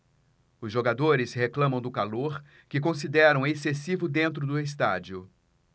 os jogadores reclamam do calor que consideram excessivo dentro do estádio